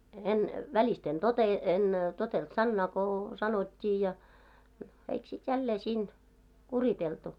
en välistä en - en totellut sanaa kun sanottiin ja no eikö sitten jälleen siinä kuriteltu